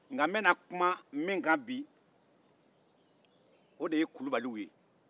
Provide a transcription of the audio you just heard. n bɛna kuma min kan bi o ye kulibaliw ye